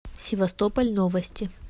севастополь новости